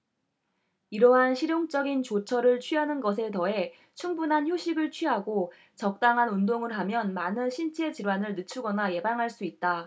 이러한 실용적인 조처를 취하는 것에 더해 충분한 휴식을 취하고 적당한 운동을 하면 많은 신체 질환을 늦추거나 예방할 수 있다